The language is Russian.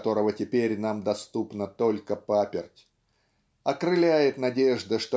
которого теперь нам доступна только паперть. Окрыляет надежда